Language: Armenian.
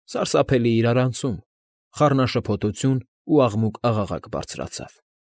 Սարսափելի իրարանցում, խառնաշփոթություն ու աղմուկ֊աղաղակ բարձրացավ։